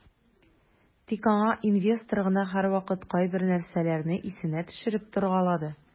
Тик аңа инвестор гына һәрвакыт кайбер нәрсәләрне исенә төшереп торгалады.